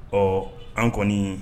Ɔ , an kɔni!